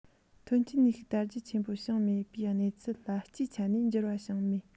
ཐོན སྐྱེད ནུས ཤུགས དར རྒྱས ཆེན པོ བྱུང མེད པའི གནས ཚུལ ལ སྤྱིའི ཆ ནས འགྱུར བ བྱུང མེད